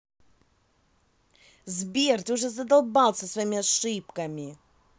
сбер ты задолбал уже со своими ошибками